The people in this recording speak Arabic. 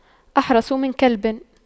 أحرس من كلب